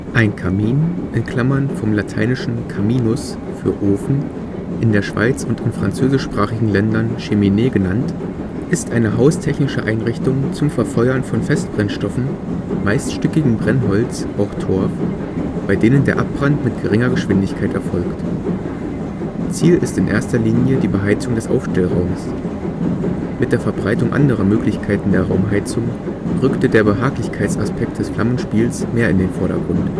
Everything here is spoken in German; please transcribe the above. Ein Kamin (vom lateinischen caminus „ Ofen “; in der Schweiz und französischsprachigen Ländern Cheminée genannt) ist eine haustechnische Einrichtung zum Verfeuern von Festbrennstoffen – meist stückigem Brennholz, auch Torf – bei denen der Abbrand mit geringer Geschwindigkeit erfolgt. Ziel ist in erster Linie die Beheizung des Aufstellraumes. Mit der Verbreitung anderer Möglichkeiten der Raumheizung rückte der Behaglichkeitsaspekt des Flammenspiels mehr in den Vordergrund